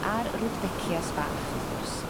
A'r rudbeckias bach wrth gwrs.